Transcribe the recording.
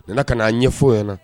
Nana ka n'a ɲɛfɔ u ye